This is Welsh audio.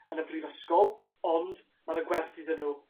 yn y Brifysgol, ond ma' 'na gwerth iddyn nw